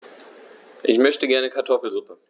Ich möchte gerne Kartoffelsuppe.